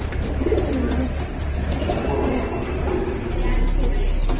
почему коннор такой тупой youtube